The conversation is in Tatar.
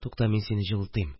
Тукта, мин сине җылытыйм